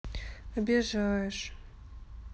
обижаешь